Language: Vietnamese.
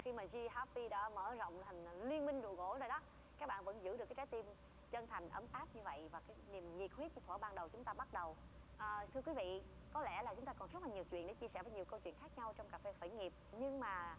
khi mà di háp pi đã mở rộng thành liên minh đồ gỗ rồi đó các bạn vẫn giữ được cái trái tim chân thành ấm áp như vậy và cái niềm nhiệt huyết cho thuở ban đầu chúng ta bắt đầu à thưa quý vị có lẽ là chúng ta còn rất là nhiều chuyện để chia sẻ với nhiều câu chuyện khác nhau trong cà phê khởi nghiệp nhưng mà